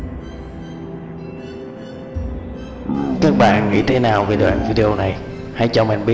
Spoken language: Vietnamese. các bạn nghĩ thế nào về đoạn video này hãy cho mình biết ý kiến